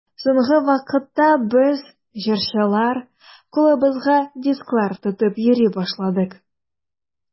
Соңгы вакытта без, җырчылар, кулыбызга дисклар тотып йөри башладык.